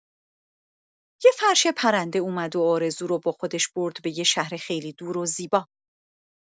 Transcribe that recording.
یه فرش پرنده اومد و آرزو رو با خودش برد به یه شهر خیلی دور و زیبا.